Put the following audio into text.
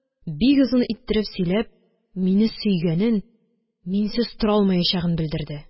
Бик озын иттереп сөйләп, мине сөйгәнен, минсез тора алмаячагын белдерде